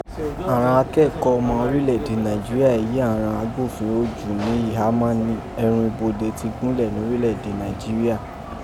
àghan akẹkọọ ọma orilẹ ede Naijiria èyí àghan agbofinro jù ní ìhámá ni ẹrun ibode ti gunlẹ norilẹ ede Naijiria.